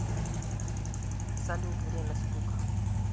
салют время скука